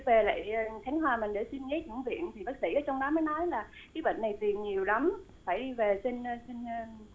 về lại à khánh hòa mình để xin giấy chuyển viện thì bác sĩ ở trong đó mới nói là cái bệnh này tiền nhiều lắm phải về về xin a xin